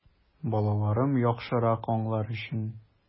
Балаларын яхшырак аңлар өчен!